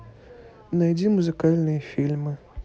найди музыкальные фильмы